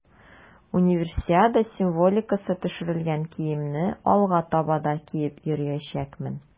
Универсиада символикасы төшерелгән киемне алга таба да киеп йөриячәкмен.